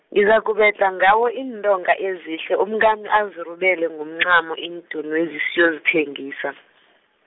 ngizakubedlha ngawo iintonga ezihle umkami azirubele ngomncamo iindunwezi siyozithengisa .